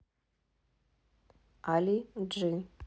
али джи